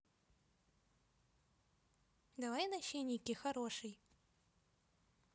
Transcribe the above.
давай на щеники хороший